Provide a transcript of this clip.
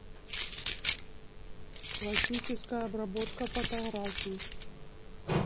классическая обработка фотографий